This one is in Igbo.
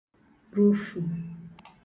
rofù